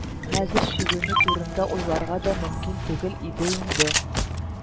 Хәзер чигенү турында уйларга да мөмкин түгел иде инде